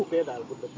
bu tooy daal bu dë